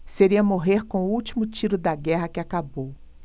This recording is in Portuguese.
seria morrer com o último tiro da guerra que acabou